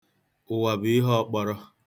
Ụwa bụ ihe ọkpọrọ.